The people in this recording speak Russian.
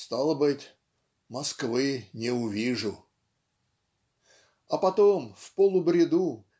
Стало быть, Москвы не увижу". А потом в полубреду